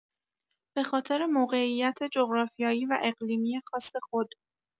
به‌خاطر موقعیت جغرافیایی و اقلیمی خاص خود